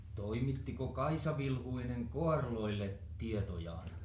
toimittiko Kaisa Vilhuinen Kaarlolle tietojaan